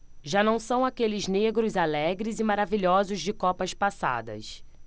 já não são aqueles negros alegres e maravilhosos de copas passadas